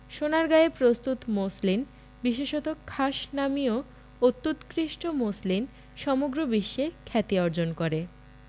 সোনারগাঁয়ে প্রস্ত্তত মসলিন বিশেষত খাস নামীয় অত্যুৎকৃষ্ট মসলিন সমগ্র বিশ্বে খ্যাতি অর্জন করে